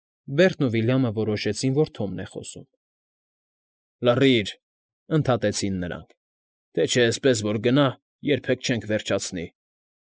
Բերտն ու Վիլյամը որոշեցին, որ Թոմն է խոսում։ ֊ Լռիր,֊ ընդհատեցին նրանք։֊ Թե չէ էսպես որ գնա, երբեք չենք վերջացնի։